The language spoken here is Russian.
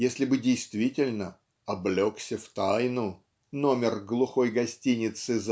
если бы действительно "облекся в тайну" номер глухой гостиницы